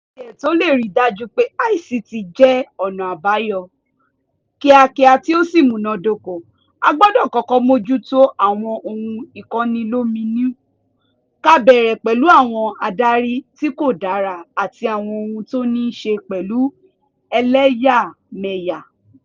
Kí a tiẹ̀ tó lè ri dájú pé ICT jẹ́ “ọ̀nà àbáyọ̀ kíákíá tó sì múná dóko” a gbọ́dọ̀ kọ́kọ́ mójútó àwọn ohun ìkọnilóminú, ká bẹ̀rẹ̀ pẹ̀lú àwọn adarí tí kò dára àti àwọn ohun tó ní ṣe pẹ̀lú ẹlẹ́yàmẹyà.